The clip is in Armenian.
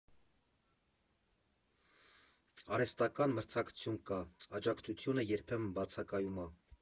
Արհեստական մրցակցություն կա, աջակցությունը երբեմն բացակայում ա։